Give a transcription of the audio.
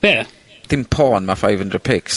Be? Dim porn ma five undred pics...